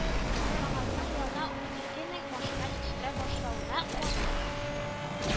КамАЗның елына ун ике мең машина җитештерә башлавына куанабыз